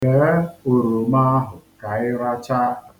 Bee oroma ahụ ka anyị rachaa.